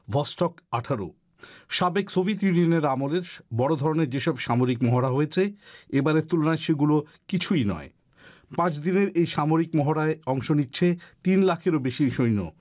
বস talk ১৮ সাবেক Soviet ইউনিয়নের আমলে বড় ধরনের যেসব সামরিক মহড়া হয়েছে এবারে সেগুলো কিছুই নয় পাঁচ দিনের এই সামরিক মহড়ায় অংশ নিচ্ছে তিন লাখেরও বেশি সৈন্য